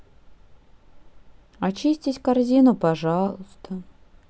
очистить корзину пожалуйста